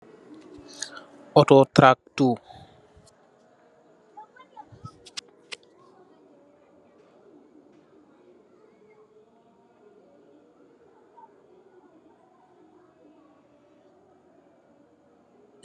Auto tractor